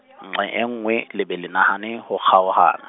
nnqe nngwe, le be le nahane, ho kgaohana.